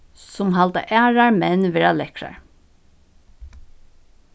sum halda aðrar menn vera lekkrar